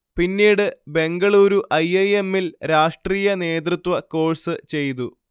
പിന്നീട് Bengaluru I. I. എമ്മിൽ രാഷ്ട്രീയ നേതൃത്വ കോഴ്സ് ചെയ്തു